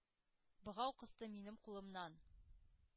Богау кысты минем кулымнан.